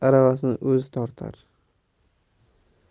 aravasini o'zi tortar